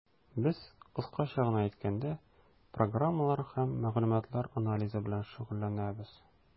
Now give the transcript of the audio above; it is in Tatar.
Без, кыскача гына әйткәндә, программалар һәм мәгълүматлар анализы белән шөгыльләнәбез.